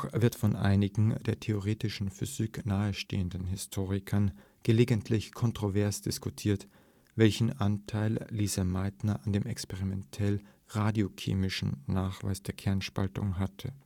wird von einigen der theoretischen Physik nahestehenden Historikern gelegentlich kontrovers diskutiert, welchen Anteil Lise Meitner an dem experimentell-radiochemischen Nachweis der Kernspaltung hatte